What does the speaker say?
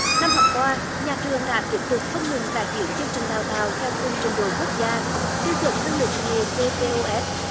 năm học qua nhà trường đã tiếp tục không ngừng cải tiến chương trình đào tạo theo khung trình độ quốc gia tiêu chuẩn năng lực nghề vê tê ô ét